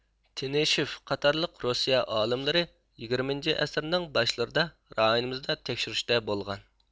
تىنىشېف قاتارلىق روسىيە ئالىملىرى يىگىرمىنچى ئەسىرنىڭ باشلىرىدا رايونىمىزدا تەكشۈرۈشتە بولغان